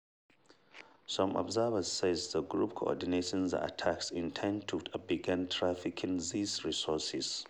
Some observers say the group coordinating the attacks intends to begin trafficking these resources.